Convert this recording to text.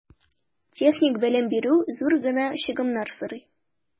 Техник белем бирү зур гына чыгымнар сорый.